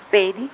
Pedi.